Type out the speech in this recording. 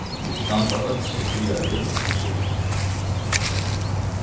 vit standa øll so friðarlig og bíða